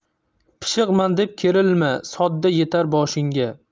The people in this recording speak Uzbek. pishiqman deb kerilma sodda yetar boshingga